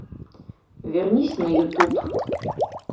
вернись на ютуб